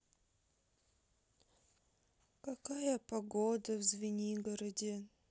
какая погода в звенигороде